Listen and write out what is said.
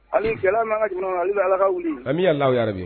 Hali gɛlɛya nana ɲɔgɔn ani bɛ ala ka wili a bɛ laaw yɛrɛ min